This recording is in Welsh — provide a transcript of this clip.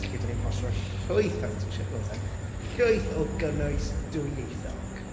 Lle dan ni'n postio llwyth I was going to say shitloads then, llwyth o gynnwys dwy-ieithog!